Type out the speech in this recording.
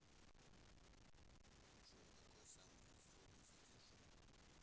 джой какой самый из водных задержек